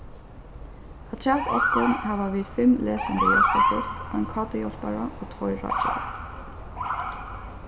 afturat okkum hava vit fimm lesandi hjálparfólk ein kt-hjálpara og tveir ráðgevar